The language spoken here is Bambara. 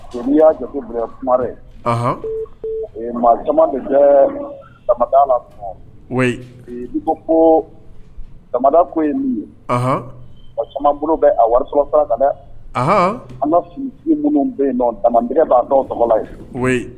N'i y'a kuma ye i ko ko tama ko ye min ye caman bolo bɛ a wari sɔrɔ ka dɛ an ma minnu bɛ yen tamab b'a dɔn saba